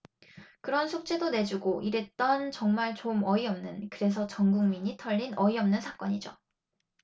그런 숙제도 내주고 이랬던 정말 좀 어이없는 그래서 전국민이 털린 어이없는 사건이죠